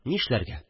Нишләргә